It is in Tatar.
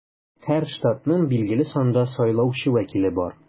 Һәр штатның билгеле санда сайлаучы вәкиле бар.